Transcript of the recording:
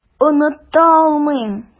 Оныта алмыйм.